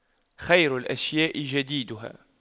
خير الأشياء جديدها